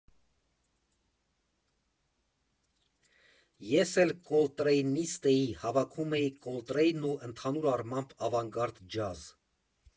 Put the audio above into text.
Ես էլ կոլտրեյնիստ էի, հավաքում էի Կոլտրեյն ու ընդհանուր առմամբ ավանգարդ ջազ։